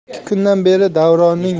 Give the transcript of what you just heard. ikki kundan beri davronning